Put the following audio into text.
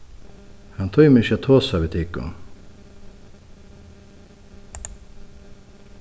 hann tímir ikki at tosa við tykum